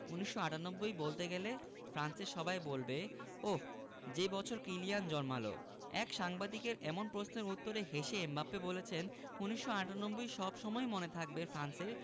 ১৯৯৮ বলতে ফ্রান্সের সবাই বলবে ওহ্ যে বছর কিলিয়ান জন্মাল এক সাংবাদিকের এমন প্রশ্নের উত্তরে হেসে এমবাপ্পে বলেছেন ১৯৯৮ সব সময়ই মনে থাকবে ফ্রান্সের